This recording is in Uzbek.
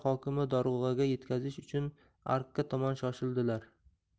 hokimi dorug'aga yetkazish uchun arkka tomon shoshildilar